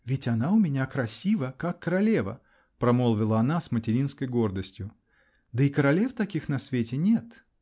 -- Ведь она у меня красива, как королева, -- промолвила она с материнской гордостью, -- да и королев таких на свете нет!